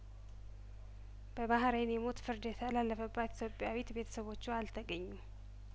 በባህሬን የሞት ፍርድ የተላለፈባት ኢትዮጵያዊት ቤተሰቦቿ አልተገኙም